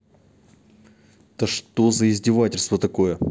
это что за издевательство такое